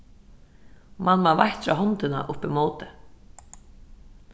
mann má veittra hondina upp ímóti